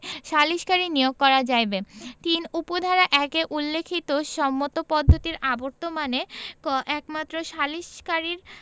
সালিসকারী নিয়োগ করা যাইবে ৩ উপ ধারা ১ এ উল্লেখিত সম্মত পদ্ধতির অবর্তমানে ক একমাত্র সালিকসারীর